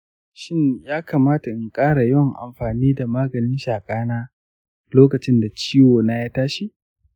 shin ya dace in ƙara yawan amfani da maganin shaka na lokacin da ciwona ya tashi?